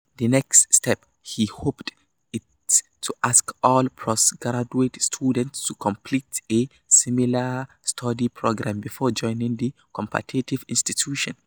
The next step, he hopes, it to ask all postgraduate students to complete a similar study program before joining the competitive institution.